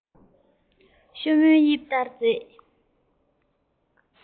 ཤོ མོའི དབྱིབས ལྟར མཛེས